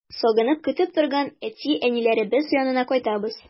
Сагынып көтеп торган әти-әниләребез янына кайтабыз.